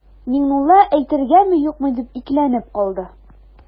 Миңнулла әйтергәме-юкмы дип икеләнеп калды.